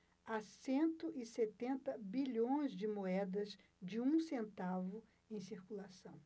há cento e setenta bilhões de moedas de um centavo em circulação